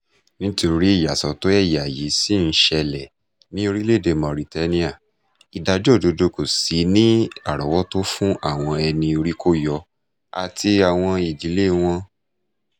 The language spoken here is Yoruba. Nítorí ìyàsọ́tọ̀ ẹ̀yà yìí ṣì ń ṣẹlẹ̀ ní orílẹ̀-èdè Mauritania, ìdájọ́ òdodo kò sí ní àrọ́wọ́tó fún àwọn ẹni orí-kó-yọ àti àwọn ìdílé wọn.